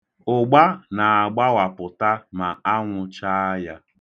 Ụgba na-agbawapụta ma anwụ chaa ya.